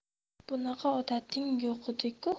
bunaqa odating yo'g'idiku